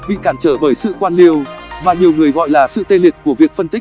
bị cản trở bởi sự quan liêu mà nhiều người gọi là sự tê liệt của việc phân tích